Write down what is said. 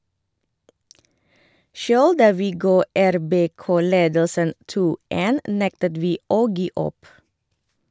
- Sjøl da vi ga RBK ledelsen 2-1, nektet vi å gi opp.